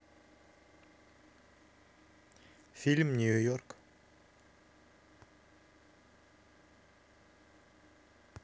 фильм нью йорк